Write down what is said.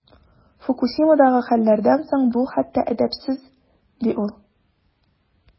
Фукусимадагы хәлләрдән соң бу хәтта әдәпсез, ди ул.